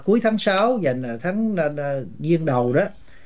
cuối tháng sáu dành ở khánh diên đầu đó